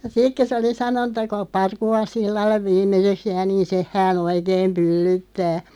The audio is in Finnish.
ja sitten kun se oli sanonut että kuka Parkuvan sillalle viimeiseksi jää niin sen hän oikein pyllyttää